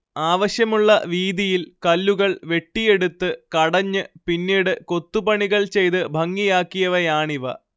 ആവശ്യമുള്ള വീതിയിൽ കല്ലുകൾ വെട്ടിയെടുത്ത് കടഞ്ഞ് പിന്നീട് കൊത്തുപണികൾ ചെയ്ത് ഭംഗിയാക്കിയവയാണിവ